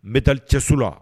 N bɛ taali cɛso la